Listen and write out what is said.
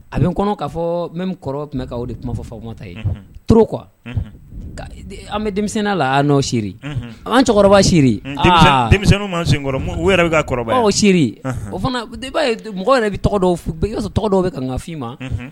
A bɛ n kɔnɔ ka fɔ mɛ kɔrɔ tun ka o de kuma fɔ famata ye to qu an bɛ denmisɛnnin la n' siri an cɛkɔrɔba siri ma kɔrɔ yɛrɛ bɛ siri o fana ye mɔgɔ yɛrɛ bɛ tɔgɔ i sɔrɔ tɔgɔ dɔw bɛ kangafin i ma